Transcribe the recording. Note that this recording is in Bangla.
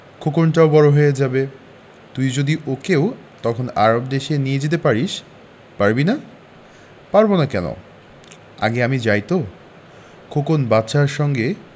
খোকনটাও বড় হয়ে যাবে তুই যদি ওকেও তখন আরব দেশে নিয়ে যেতে পারিস পারবি না পারব না কেন আগে আমি যাই তো খোকন বাদশার সঙ্গে